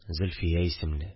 Зөлфия исемле